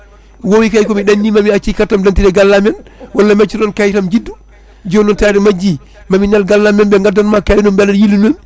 wowi kay komi ɗannima mi accci carte am dentité gallamen walla mi acci toon kayitam juddu joni noon taade majji mami nel gallamen ɓe gandanma kayit o beele aɗa yiilonomi